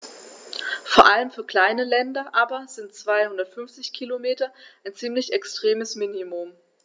Vor allem für kleine Länder aber sind 250 Kilometer ein ziemlich extremes Minimum.